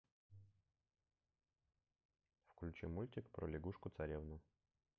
включи мультик про лягушку царевну